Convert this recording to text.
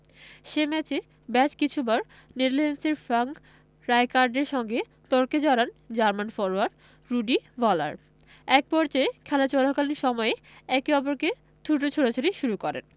সে ম্যাচে বেশ কিছুবার নেদারল্যান্ডসের ফ্র্যাঙ্ক রাইকার্ডের সঙ্গে তর্কে জড়ান জার্মান ফরোয়ার্ড রুডি ভলার একপর্যায়ে খেলা চলাকালীন সময়েই একে অপরকে থুতু ছোড়াছুড়ি শুরু করেন